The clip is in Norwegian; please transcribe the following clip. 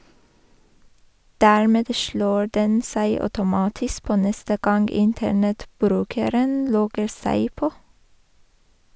Dermed slår den seg automatisk på neste gang internettbrukeren logger seg på.